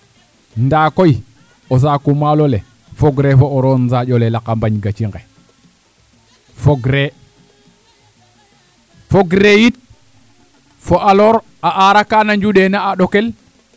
ndaa koy o saaku maalo le fogree fo o roon saaƈ ole laka mbañ gaci nqe fogree fogree yit fo alors a aaraa kaana njuɗeena a ɗokel